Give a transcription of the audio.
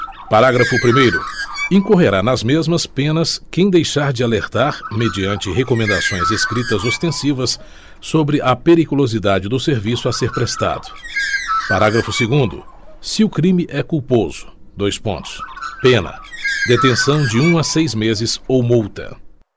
parágrafo primeiro incorrerá nas mesmas penas quem deixar de alertar mediante recomendações escritas ostensivas sobre a periculosidade do serviço a ser prestado parágrafo segundo se o crime é culposo dois pontos pena detenção de um a seis meses ou multa